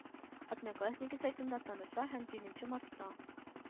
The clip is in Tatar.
Одноклассники сайтында таныша һәм җиңенче мартта